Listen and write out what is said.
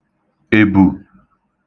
èbù